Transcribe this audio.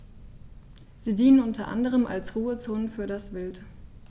Sie dienen unter anderem als Ruhezonen für das Wild.